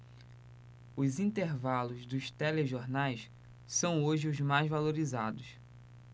os intervalos dos telejornais são hoje os mais valorizados